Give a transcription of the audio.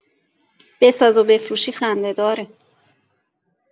بساز و بفروشی خنده‌داره!